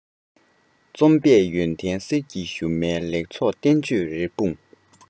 རྩོམ པས ཡོན ཏན གསེར གྱི ཞུན མའི ལེགས ཚོགས བསྟན བཅོས རི ལྟར སྤུངས